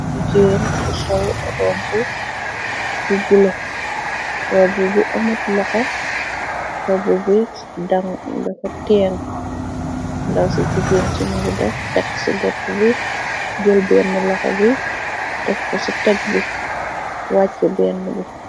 Giggeen cu sol robbu bu bule robbu bi amut laxo robbu bi dan dafa ten ndaw ci jigéen sunu ngi def teg ci bopp bi jël benn laxo bi def ka ci teg bi wàcce benn bi.